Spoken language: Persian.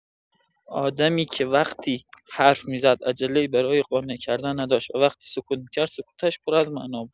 آدمی که وقتی حرف می‌زد، عجله‌ای برای قانع کردن نداشت و وقتی سکوت می‌کرد، سکوتش پر از معنا بود.